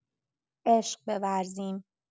عشق بورزیم.